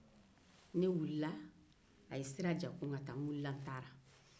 a ye sira di yan ko n ka taa n wulila n taara